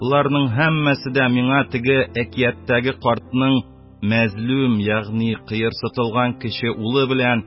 Боларның һәммәсе дә миңа теге әкияттәге картның мазлум, ягъни кыерсытылган, кече улы белән